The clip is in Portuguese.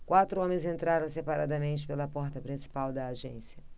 quatro homens entraram separadamente pela porta principal da agência